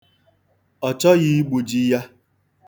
Ọ chọghị igbuji ya.